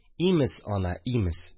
Имез, ана, имез